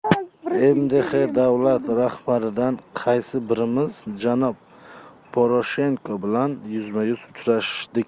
mdh davlat rahbarlaridan qaysi birimiz janob poroshenko bilan yuzma yuz uchrashdik